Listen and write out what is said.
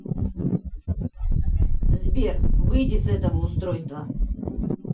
сбер выйди с этого устройства